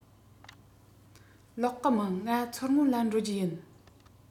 ལོག གི མིན ང མཚོ སྔོན ལ འགྲོ རྒྱུ ཡིན